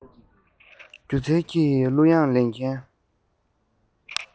སྒྱུ རྩལ གྱི གླུ དབྱངས ལེན མཁན